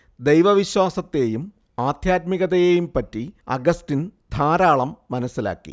ദൈവവിശ്വാസത്തെയും ആധ്യാത്മികതയെയും പറ്റി അഗസ്റ്റിൻ ധാരാളം മനസ്സിലാക്കി